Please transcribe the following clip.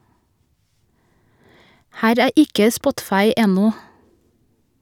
Her er ikke Spotify ennå.